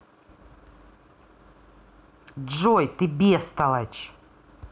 джой ты бестолочь